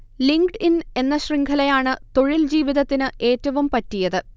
linked in എന്ന ശൃഖലയാണ് തൊഴിൽജീവിതത്തിന് ഏറ്റവും പറ്റിയത്